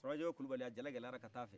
turajawo kulubali a jala gɛlɛyara ka taa a fɛ